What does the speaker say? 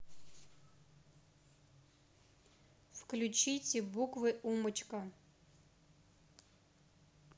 включите буквы умочка